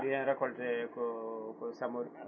mbaɗi hen récolté ko ko samori